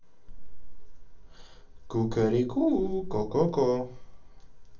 кукареку ко ко ко